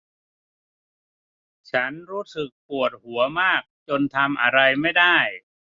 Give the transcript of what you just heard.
ฉันรู้สึกปวดหัวมากจนทำอะไรไม่ได้